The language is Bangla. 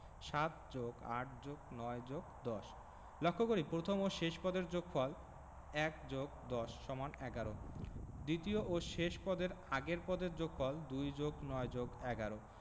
৭+৮+৯+১০ লক্ষ করি প্রথম ও শেষ পদের যোগফল ১+১০=১১ দ্বিতীয় ও শেষ পদের আগের পদের যোগফল ২+৯=১১